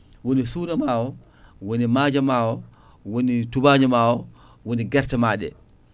woni suuna ma o woni maaje ma o woni tubaño ma o woni guertema ɗe